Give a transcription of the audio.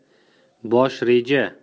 bosh reja